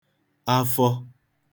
afọ